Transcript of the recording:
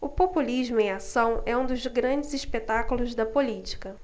o populismo em ação é um dos grandes espetáculos da política